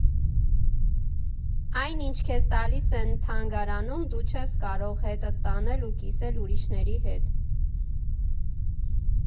Այն, ինչ քեզ տալիս են թանգարանում, դու չես կարող հետդ տանել ու կիսել ուրիշների հետ։